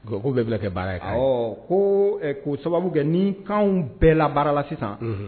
K ko bɛ bila kɛ baara ye ko ko sababu kɛ ni' bɛɛ la baara la sisan